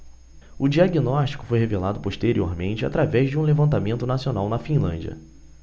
o diagnóstico foi revelado posteriormente através de um levantamento nacional na finlândia